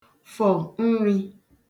fọ̀ nrī